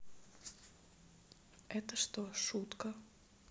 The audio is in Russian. это что шутка